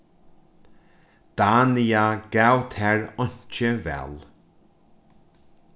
dania gav tær einki val